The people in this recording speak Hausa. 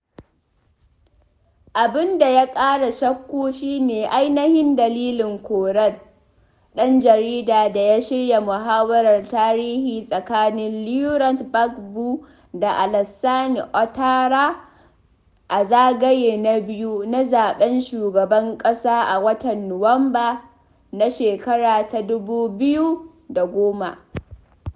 Abin da ya kara shakku shi ne ainihin dalilin korar ɗan jaridar da ya shirya muhawarar tarihi tsakanin Laurent Gbagbo da Alassane Ouattara a zagaye na biyu na zaɓen shugaban ƙasa a watan Nuwamba na 2010.